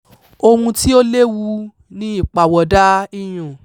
Ohun tí ó léwu ni ìpàwọ̀dàa iyùn.